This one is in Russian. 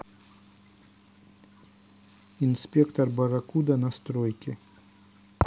инспектор барракуда на стройке